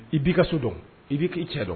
I bi ka so dɔn . I bi ki cɛ dɔn.